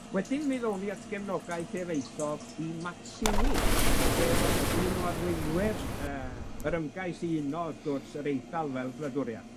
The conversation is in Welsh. Wedyn mi ddown ni at gefnogaeth Hiraethog i Mazzini, sef arw- un o arweinwyr yy yr ymgais i uno wrth gwrs yr Eidal fel gwladwriath.